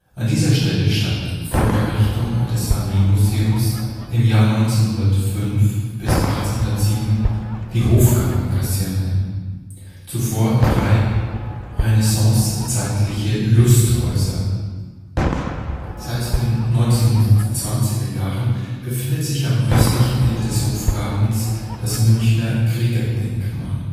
An dieser Stelle stand vor Errichtung des Armeemuseums im Jahr 1905 seit 1807 die Hofgartenkaserne; zuvor drei renaissancezeitliche Lusthäuser. Seit den 1920er Jahren befindet sich am östlichen Ende des Hofgartens das Münchener Kriegerdenkmal